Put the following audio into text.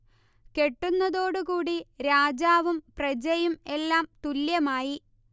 കെട്ടുന്നതോടു കൂടി രാജാവും പ്രജയും എല്ലാം തുല്യമായി